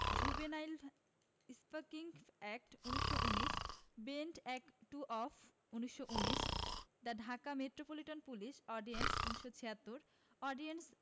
Juvenile smoking act ১৯১৯ Ben. Act two of ১৯১৯ the Dhaka metropolitan police ordinance ১৯৭৬ ordinance